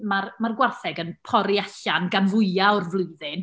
Ma'r ma'r gwartheg yn pori allan gan fwya o'r flwyddyn